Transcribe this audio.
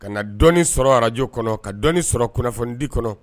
Ka dɔɔnin sɔrɔ arajo kɔnɔ ka dɔ sɔrɔ kunnafonidi kɔnɔ